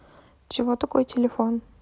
чего такой телефон